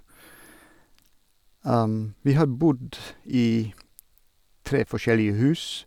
Vi har bodd i tre forskjellige hus.